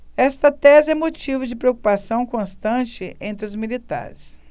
esta tese é motivo de preocupação constante entre os militares